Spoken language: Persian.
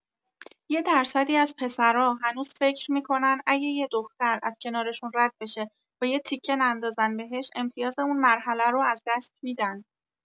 یه درصدی از پسرا هنوز فکر می‌کنن اگه یه دختر از کنارشون رد بشه و یه تیکه نندازن بهش، امتیاز اون مرحله رو از دست می‌دن!